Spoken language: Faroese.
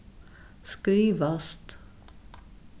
skrivast